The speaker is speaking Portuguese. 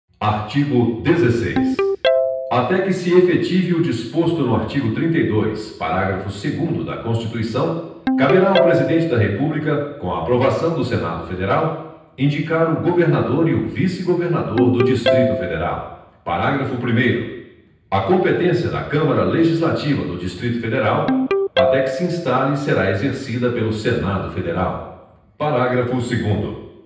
artigo dezesseis até que se efetive o disposto no artigo trinta e dois parágrafo segundo da constituição caberá ao presidente da república com a aprovação do senado federal indicar o governador e o vice governador do distrito federal parágrafo primeiro a competência da câmara legislativa do distrito federal até que se instale será exercida pelo senado federal parágrafo segundo